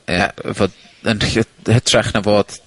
Ie, fod, yn lle, yn hytrach na fod